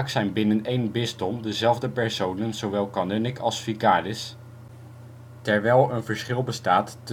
zijn binnen één bisdom dezelfde personen zowel kanunnik als vicaris, terwijl een verschil bestaat